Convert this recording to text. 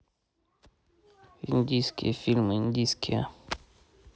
индийские фильмы индийские